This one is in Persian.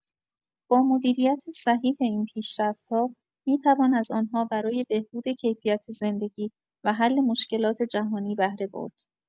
با مدیریت صحیح این پیشرفت‌ها، می‌توان از آن‌ها برای بهبود کیفیت زندگی و حل مشکلات جهانی بهره برد.